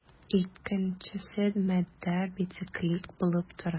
Икенчесе матдә бициклик булып тора.